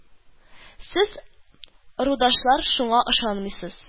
Сез, ырудашлар, шуңа ышанмыйсыз